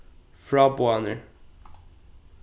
fráboðanir